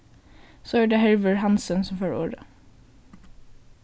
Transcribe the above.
so er tað hervør hansen sum fær orðið